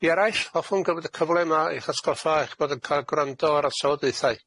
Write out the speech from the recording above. I eraill, hoffwn gymyd y cyfle yma i'ch atgoffa eich bod yn cael gwrando ar y trafodaethau.